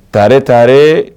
Taa taa